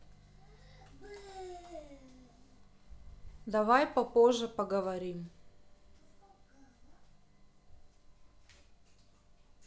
давай попозже поговорим